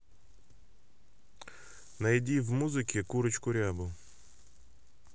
найди в музыке курочку рябу